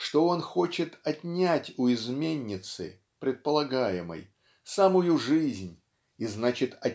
что он хочет отнять у изменницы (предполагаемой) самую жизнь и значит